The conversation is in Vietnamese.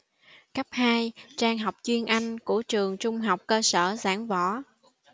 cấp hai trang học chuyên anh của trường trung học cơ sở giảng võ